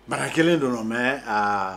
Mara 1 don nɔ maiis aa